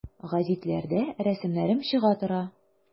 Гәзитләрдә рәсемнәрем чыга тора.